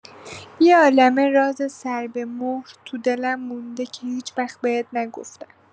یه عالمه راز سربه‌مهر تو دلم مونده که هیچ‌وقت بهت نگفتم.